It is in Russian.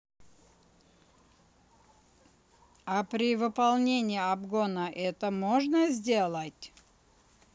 а при выполнении обгона это можно сделать